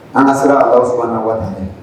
An ka siran Alahu subahana watala ɲɛ.